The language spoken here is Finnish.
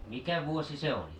mikä vuosi se oli